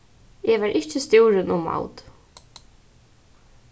eg var ikki stúrin um maud